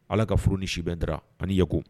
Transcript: Ala ka furu ni si bɛn Dra ani yaku